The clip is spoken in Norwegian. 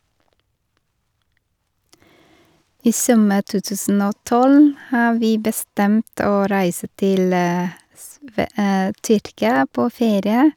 I sommer to tusen og tolv har vi bestemt å reise til sve Tyrkia på ferie.